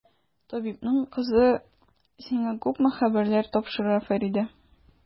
Табибның кызы сиңа күпме хәбәрләр тапшыра, Фәридә!